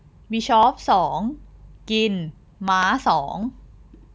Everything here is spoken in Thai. บิชอปสองกินม้าสอง